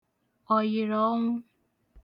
ọ̀yị̀ṛọ̀ọnwụ